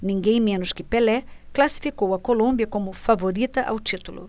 ninguém menos que pelé classificou a colômbia como favorita ao título